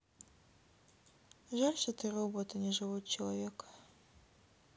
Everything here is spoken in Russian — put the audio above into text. жаль что ты робот а не живой человек